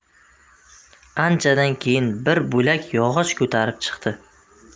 anchadan keyin bir bo'lak yog'och ko'tarib chiqdi